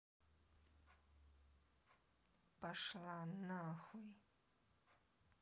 пошла на хуй